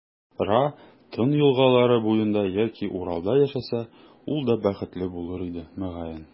Ра, Тын елгалары буенда яки Уралда яшәсә, ул да бәхетле булыр иде, мөгаен.